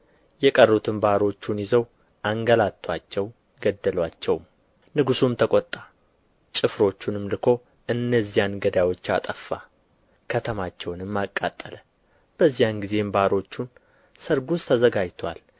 የቀሩትም ባሮቹን ይዘው አንገላቱአቸው ገደሉአቸውም ንጉሡም ተቈጣ ጭፍሮቹንም ልኮ እነዚያን ገዳዮች አጠፋ ከተማቸውንም አቃጠለ በዚያን ጊዜ ባሮቹን ሰርጉስ ተዘጋጅቶአል